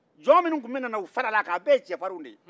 jɔn minnu tun mina na k'u fara a kan u bɛ ye cɛfarin ye